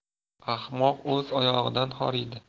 ahmoq o'z oyog'idan horiydi